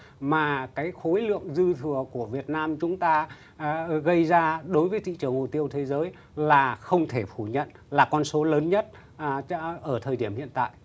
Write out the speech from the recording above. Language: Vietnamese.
mà cái khối lượng dư thừa của việt nam chúng ta gây ra đối với thị trường hồ tiêu thế giới là không thể phủ nhận là con số lớn nhất ở thời điểm hiện tại